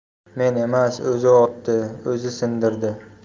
men emas o'zi otdi o'zi sindirdi